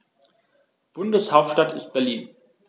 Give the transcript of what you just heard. Bundeshauptstadt ist Berlin.